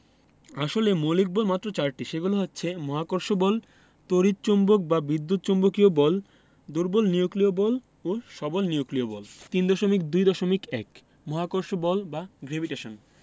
আসলে মৌলিক বল মাত্র চারটি সেগুলো হচ্ছে মহাকর্ষ বল তড়িৎ চৌম্বক বা বিদ্যুৎ চৌম্বকীয় বল দুর্বল নিউক্লিয় বল ও সবল নিউক্লিয় বল 3.2.1 মহাকর্ষ বল বা গ্রেভিটেশন